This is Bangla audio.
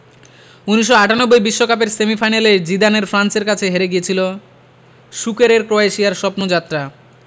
১৯৯৮ বিশ্বকাপের সেমিফাইনালে জিদানের ফ্রান্সের কাছে হেরে থেমেছিল সুকেরের ক্রোয়েশিয়ার স্বপ্নযাত্রা